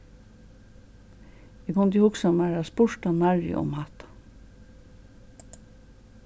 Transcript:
eg kundi hugsað mær at spurt hann nærri um hatta